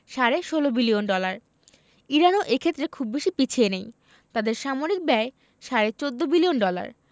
সাড়ে ১৬ billion dollar ইরানও এ ক্ষেত্রে খুব বেশি পিছিয়ে নেই তাদের সামরিক ব্যয় সাড়ে ১৪ বিলিয়ন ডলার